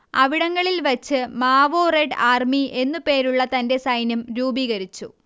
അവിടങ്ങളിൽ വെച്ച് Mao Red Army എന്നു പേരുള്ള തന്റെ സൈന്യം രൂപീകരിച്ചു